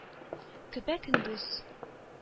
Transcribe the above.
Көпә-көндез.